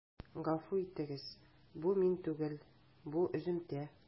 Гафу итегез, бу мин түгел, бу өземтә.